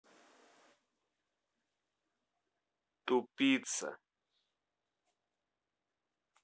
тупица